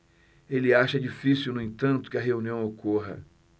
ele acha difícil no entanto que a reunião ocorra